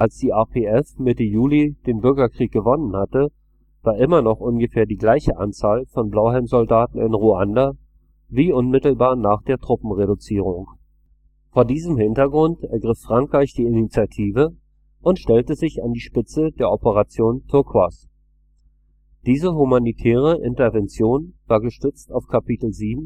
die RPF Mitte Juli den Bürgerkrieg gewonnen hatte, war immer noch ungefähr die gleiche Anzahl von Blauhelm-Soldaten in Ruanda wie unmittelbar nach der Truppenreduzierung. Vor diesem Hintergrund ergriff Frankreich die Initiative und stellte sich an die Spitze der Opération Turquoise. Diese humanitäre Intervention war gestützt auf Kapitel VII